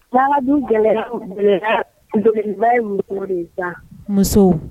Sagaduba muso